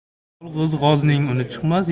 yolg'iz g'ozning uni chiqmas